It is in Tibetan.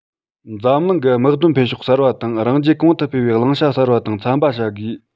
འཛམ གླིང གི དམག དོན འཕེལ ཕྱོགས གསར པ དང རང རྒྱལ གོང དུ སྤེལ བའི བླང བྱ གསར པ དང འཚམ པ བྱ དགོས